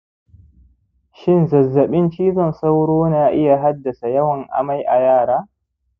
shin zazzaɓin cizon sauro na iya haddasa yawan amai a yara